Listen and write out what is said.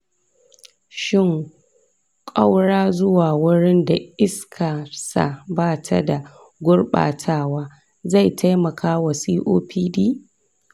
shin ƙaura zuwa wurin da iskar sa ba ta da gurbatawa zai taimaka wa copd?